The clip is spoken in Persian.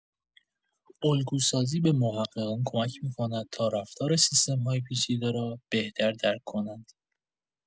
الگوسازی به محققان کمک می‌کند تا رفتار سیستم‌های پیچیده را بهتر درک کنند.